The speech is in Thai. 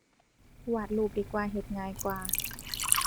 วาดรูปดีกว่า เฮ็ดง่ายกว่า